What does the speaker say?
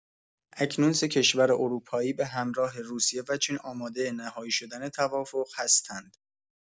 اکنون سه کشور اروپایی به همراه روسیه و چین آماده نهایی شدن توافق هستند.